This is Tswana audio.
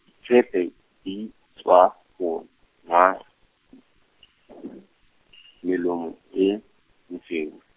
-tsepe, di, tswa, go, nwa , melomo e, mesweu.